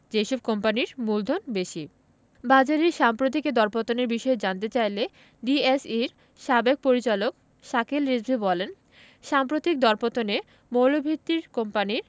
যেসব কোম্পানির মূলধন বেশি বাজারের সাম্প্রতিক এ দরপতনের বিষয়ে জানতে চাইলে ডিএসইর সাবেক পরিচালক শাকিল রিজভী বলেন সাম্প্রতিক দরপতনে মৌলভিত্তির কোম্পানির